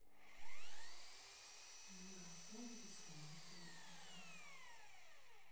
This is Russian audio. мегафон безлимитный интернет